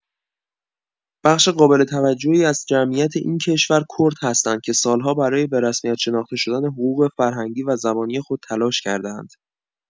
بخش قابل توجهی از جمعیت این کشور کرد هستند که سال‌ها برای به‌رسمیت شناخته شدن حقوق فرهنگی و زبانی خود تلاش کرده‌اند.